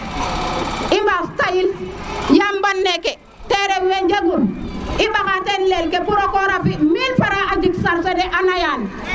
i mbaas tayil yam mban neke te rawe jegun i mbaxa teen leel ke o koor a fi 1000fr a jig sarse de a nayaan